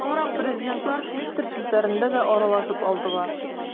Соңрак президентлар Twitter челтәрендә дә аралашып алдылар.